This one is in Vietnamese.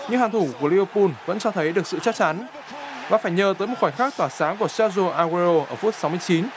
xanh nhưng hàng thủ li vơ bun vẫn cho thấy được sự chắc chắn nó phải nhờ tới một khoảnh khắc tỏa sáng của séc dô a gue rô ở phút sáu mươi chín